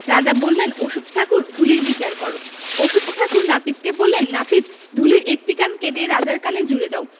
রাজা বললেন অশ্বত্থ ঠাকুর ঢুলির বিচার কর অশ্বত্থ ঠাকুর নাপিতকে বললেননাপিত ঢুলির একটি কান কেটে রাজার কানে জুড়ে দাও